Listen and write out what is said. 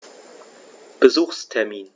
Besuchstermin